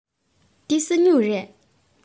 འདི ས སྨྱུག རེད